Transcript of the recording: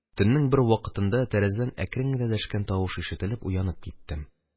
Төннең бер вакытында тәрәзәдән әкрен генә дәшкән тавыш ишетеп уянып киттем.